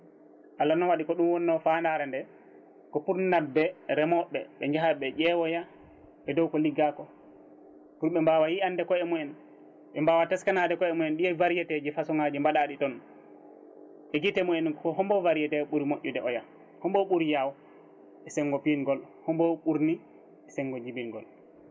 Allah noon waaɗi ko ɗum wonno fandare nde ko pour nabde remoɓe ɓe jaaha ɓe ƴeewoya e dow ko liggako pour ɓe mbawa yiyande koyemumen ɓe mbawa teskanade koyemumen ɗim variété ji façon ngaji mbaɗaɗi toon e guite mumen ko hombo variété ɓuuri moƴƴude oya hombo ɓuuri yaw e senggo pingol hombo ɓurni senggo jibingol